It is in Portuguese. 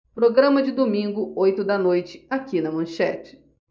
programa de domingo oito da noite aqui na manchete